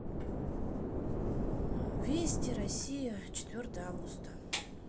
вести россия четвертое августа